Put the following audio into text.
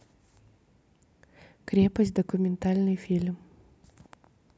крепость документальный фильм